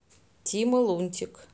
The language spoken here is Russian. тима лунтик